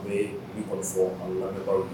U bɛ kɔrɔfɔ fɔ ani lakaw